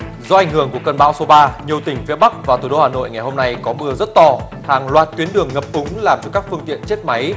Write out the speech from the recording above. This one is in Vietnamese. do ảnh hưởng của cơn bão số ba nhiều tỉnh phía bắc và thủ đô hà nội ngày hôm nay có mưa rất to hàng loạt tuyến đường ngập úng làm chủ các phương tiện chết máy